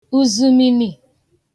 uzuminī